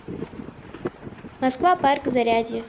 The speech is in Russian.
москва парк зарядье